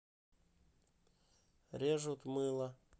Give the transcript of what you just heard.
режут мыло